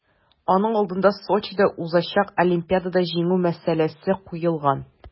Аның алдына Сочида узачак Олимпиадада җиңү мәсьәләсе куелган.